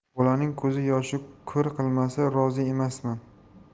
bolaning ko'zi yoshi ko'r qilmasa rozi emasman